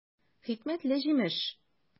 Хикмәтле җимеш!